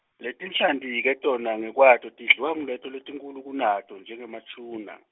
letinhlanti ke tona ngekwato tidliwa nguleto letinkhulu kunato, njengemaTuna.